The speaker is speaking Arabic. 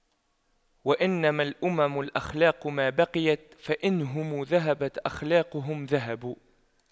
وإنما الأمم الأخلاق ما بقيت فإن هم ذهبت أخلاقهم ذهبوا